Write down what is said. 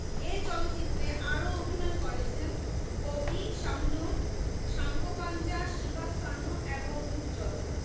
এ চলচ্চিত্রে আরও অভিনয় করেছেন ববি শাহনূর সাঙ্কোপাঞ্জা শিবা সানু এবং উজ্জ্বল